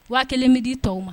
Waa kelen bɛ di tɔw ma